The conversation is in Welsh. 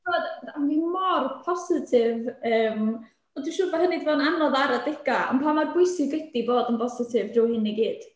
Ti'bod, mor positif, yym, ond dwi'n siwr bod hynny 'di bod yn anodd ar adegau. Ond pa mor bwysig ydi bod yn bositif drwy hyn i gyd?